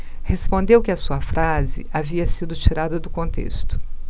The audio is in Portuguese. respondeu que a sua frase havia sido tirada do contexto